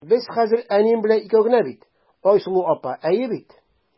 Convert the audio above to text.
Без хәзер әнием белән икәү генә бит, Айсылу апа, әйе бит?